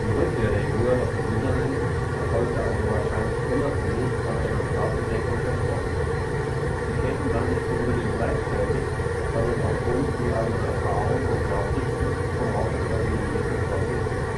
Die Rückkehr der Jünger nach Jerusalem erfolgte also wahrscheinlich unabhängig von einer Grabentdeckung der Frauen. Sie kehrten dann nicht unbedingt gleichzeitig, sondern aufgrund je eigener Erfahrungen und Nachrichten vom auferstandenen Jesus dorthin um.